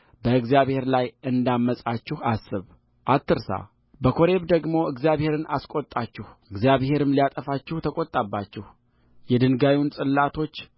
በእግዚአብሔር ላይ እንዳመፃችሁ አስብ አትርሳበኮሬብ ደግሞ እግዚአብሔርን አስቈጣችሁ እግዚአብሔርም ሊያጠፋችሁ ተቈጣባችሁየድንጋዩን ጽላቶች